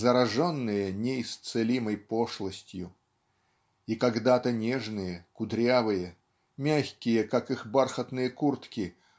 зараженные неисцелимой пошлостью. И когда-то нежные кудрявые мягкие как их бархатные куртки